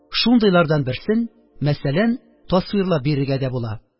..шундыйлардан берсен, мәсәлән, тасвирлап бирергә дә була